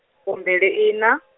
fumbiliiṋa.